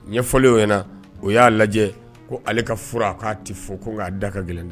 Ɲɛfɔlen ɲɛna na o y'a lajɛ ko ale ka furu a k'a tɛ fo ko'a da ka gɛlɛn dɛ